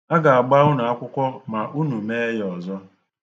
A ga-agba unu akwụkwọ ma ụnụ mee ya ọzọ.